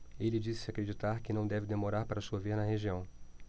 ele disse acreditar que não deve demorar para chover na região